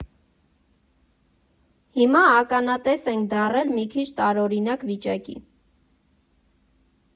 Հիմա ականատես ենք դառել մի քիչ տարօրինակ վիճակի.